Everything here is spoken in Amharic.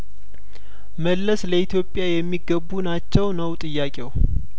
መለስ ለኢትዮጵያ የሚገቡ ናቸው ነው ጥያቄው